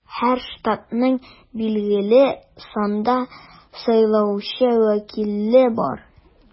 Һәр штатның билгеле санда сайлаучы вәкиле бар.